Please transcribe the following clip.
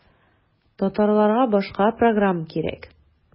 Татарларга башка программ кирәк.